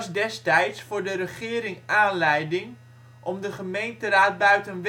destijds voor de regering aanleiding om de gemeenteraad buiten